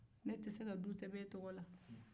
ne tɛ se ka du sɛbɛn e tɔgɔ la